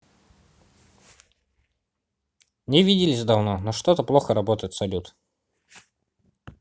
не виделись давно но что то плохо работает салют